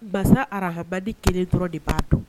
Basa ahabadi kelen dɔrɔn de b'a dɔn